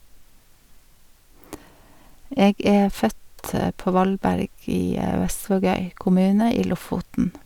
Jeg er født på Valberg i Vestvågøy kommune i Lofoten.